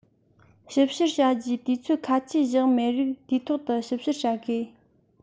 ཞིབ བཤེར བྱ རྒྱུའི དུས ཚོད ཁ ཆད བཞག མེད རིགས དུས ཐོག ཏུ ཞིབ བཤེར བྱ དགོས